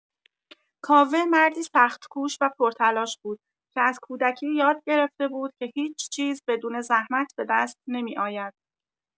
کاوه مردی سخت‌کوش و پرتلاش بود که از کودکی یاد گرفته بود که هیچ‌چیز بدون زحمت به دست نمی‌آید.